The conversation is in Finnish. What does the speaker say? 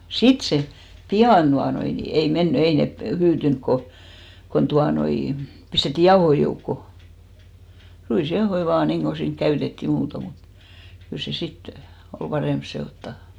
sitten se pian tuota noin niin ei mennyt ei ne hyytynyt kun kun tuota noin pistettiin jauhoja joukkoon ruisjauhoja vain niin kuin siinä käytettiin muuten mutta kyllä se sitten oli parempi sekoittaa